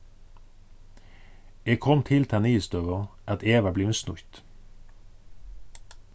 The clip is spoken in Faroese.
eg kom til ta niðurstøðu at eg var blivin snýtt